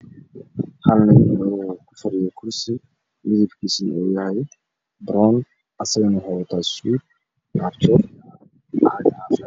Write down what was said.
Hal nin oo kufadhiyo kursi oo baroon ah asagana waxuu wataa suud iyo caag caafi ah.